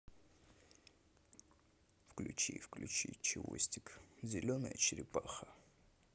включи включи чевостик зеленая черепаха